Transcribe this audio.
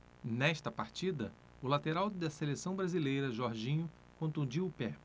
nesta partida o lateral da seleção brasileira jorginho contundiu o pé